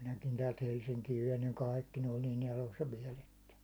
minäkin täältä Helsinkiin vein niin kaikki ne oli niin elossa vielä että